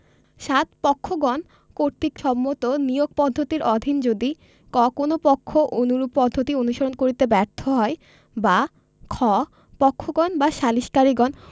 ৭ পক্ষগণ কর্তৃক সম্মত নিয়োগ পদ্ধতির অধীন যদি ক কোন পক্ষ অনুরূপ পদ্ধতি অনুসরণ করিতে ব্যর্থ হয় বা খ পক্ষগণ বা সালিসকারীগণ